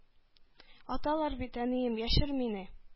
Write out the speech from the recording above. — аталар бит, әнием, яшер мине,